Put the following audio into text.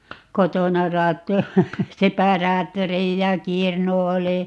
kotona - separaattori ja kirnu oli